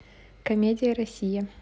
комедия россия